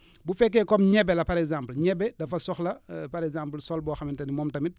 bu fekkee comme ñebe la par exemple ñebe dafa soxla par exemple sol boo xamante ni moom tamit